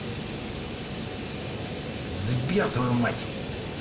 сбер твою мать